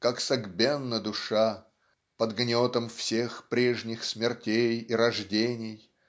как согбенна душа Под гнетом всех прежних смертей и рождений.